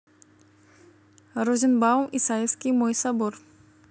розенбаум исаакиевский мой собор